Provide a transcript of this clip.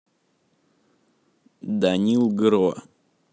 данил гро